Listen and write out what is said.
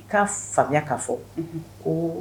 I kaa faamuyaya' fɔ